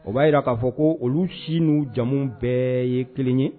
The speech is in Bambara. O b'a jira k'a fɔ ko olu si n'u jamu bɛɛ ye kelen ye